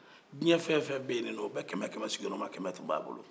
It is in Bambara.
diɲɛ fɛn o fɛn be yen kɛmɛ-kɛmɛ sigiyɔrɔma kɛmɛ tun b'a bolo